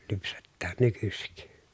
lypsetään nykyisin